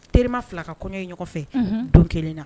Terima fila ka kɔɲɔ ye ɲɔgɔn fɛ don kelen na